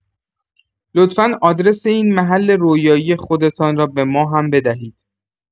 لطفا آدرس این محله رویایی خودتان را به ما هم بدهید.